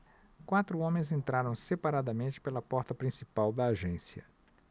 quatro homens entraram separadamente pela porta principal da agência